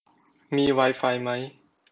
มีไวไฟไหม